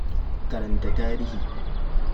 Karanta Tarihi